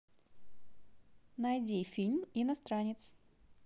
найди фильм иностранец